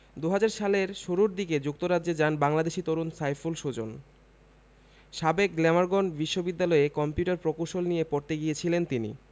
২০০০ সালের শুরু দিকে যুক্তরাজ্যে যান বাংলাদেশি তরুণ সাইফুল সুজন সাবেক গ্লামারগন বিশ্ববিদ্যালয়ে কম্পিউটার প্রকৌশল নিয়ে পড়তে গিয়েছিলেন তিনি